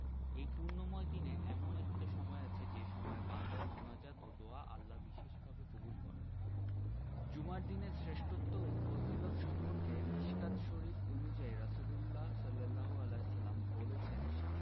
এ পুণ্যময় দিনে এমন একটা সময় আছে যে সময় বান্দার মোনাজাত ও দোয়া আল্লাহ বিশেষভাবে কবুল করেন জুমার দিনের শ্রেষ্ঠত্ব ও ফজিলত সম্পর্কে মিশকাত শরিফ অনুযায়ী রাসুলুল্লাহ সা বলেছেন